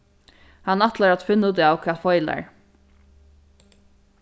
hann ætlar at finna útav hvat feilar